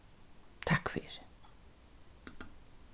takk fyri